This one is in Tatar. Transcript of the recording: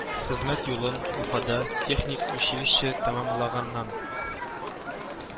Хезмәт юлын, Уфада техник училище тәмамлаганнан